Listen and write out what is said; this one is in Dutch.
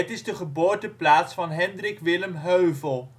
is de geboorteplaats van Hendrik Willem Heuvel